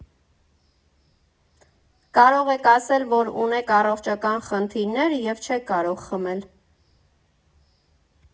Կարող եք ասել, որ ունեք առողջական խնդիրներ և չեք կարող խմել։